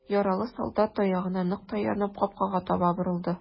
Яралы солдат, таягына нык таянып, капкага таба борылды.